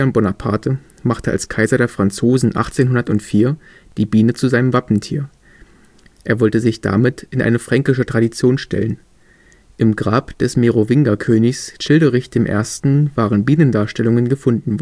Bonaparte machte als Kaiser der Franzosen 1804 die Biene zu seinem Wappentier. Er wollte sich damit in eine fränkische Tradition stellen: Im Grab des Merowingerkönigs Childerich I. waren Bienendarstellungen gefunden